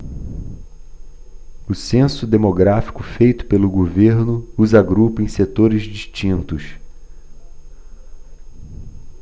o censo demográfico feito pelo governo os agrupa em setores distintos